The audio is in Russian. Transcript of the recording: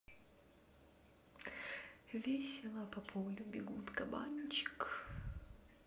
весело по полю бегут кабанчик